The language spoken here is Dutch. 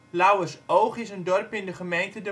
Lauwersoog is een dorp in de gemeente